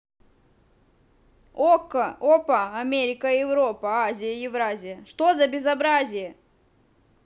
okko опа америка европа азия евразия что за безобразие